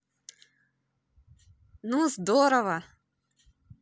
ну здорово